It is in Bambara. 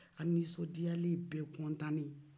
an nisondiyalen bɛɛ kɔntannen